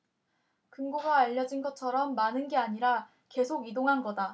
금고가 알려진 것처럼 많은 게 아니라 계속 이동한 거다